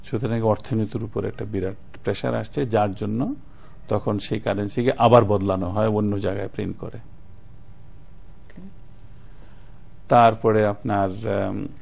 সুতরাং অর্থনীতির উপর একটা বিরাট প্রেসার আসছে যার জন্য তখন সে কারেন্সি কে আবার বদলানো হয় অন্য জায়গায় প্রিন্ট করে তারপরে আপনার